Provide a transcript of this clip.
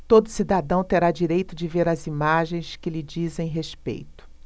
todo cidadão terá direito de ver as imagens que lhe dizem respeito